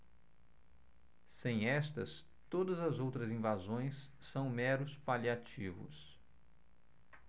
sem estas todas as outras invasões são meros paliativos